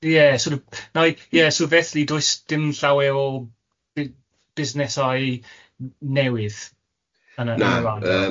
Ie, sor' of na- ie so felly does dim llawer o bu- busnesau n- newydd yn y... Na... y wlad... Yym.